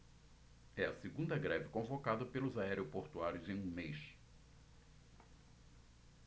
é a segunda greve convocada pelos aeroportuários em um mês